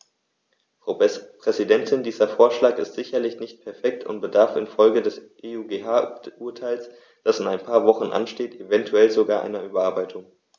Frau Präsidentin, dieser Vorschlag ist sicherlich nicht perfekt und bedarf in Folge des EuGH-Urteils, das in ein paar Wochen ansteht, eventuell sogar einer Überarbeitung.